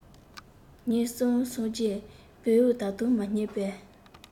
ཉིན གསུམ སོང རྗེས བེའུ ད དུང མ རྙེད པས